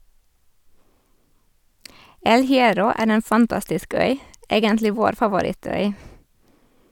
El Hierro er en fantastisk øy (egentlig vår favorittøy!).